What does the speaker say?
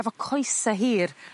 efo coese hir